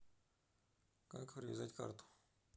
как привязать карту